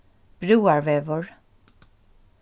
brúarvegur